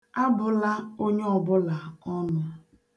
Abụla onye ọbụla ọnụ.